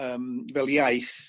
yym fel iaith